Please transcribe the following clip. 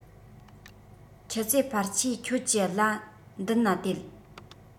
ཁྱི ཙེ པར ཆས ཁྱོད ཀྱི ལ མདུན ན དེད